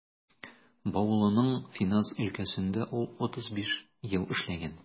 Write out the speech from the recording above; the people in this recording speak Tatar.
Баулының финанс өлкәсендә ул 35 ел эшләгән.